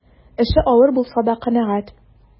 Эше авыр булса да канәгать.